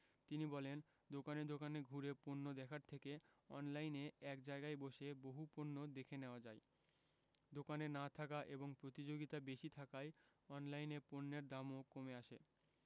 তিনি বলেন দোকানে দোকানে ঘুরে পণ্য দেখার থেকে অনলাইনে এক জায়গায় বসে বহু পণ্য দেখে নেওয়া যায় দোকানে না থাকা এবং প্রতিযোগিতা বেশি থাকায় অনলাইনে পণ্যের দামও কমে আসে